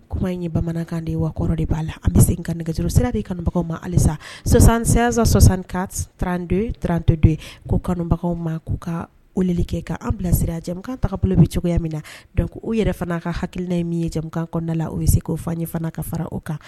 Kuma in ye bamanankan de wakɔrɔ de b'a la an bɛ se ka nɛgɛjso sira de kanubagaw ma halisa sɔsansan sɔsan ka trando trantɔ don ko kanubagaw ma k'u ka oli kɛ kan an bilasira jamanakan ta bolo bɛ cogoya min na dɔnku u yɛrɛ fana' ka hakilikilina min ye jamanakan kɔnɔnada la o bɛ se' fa ɲɛ fana ka fara o kan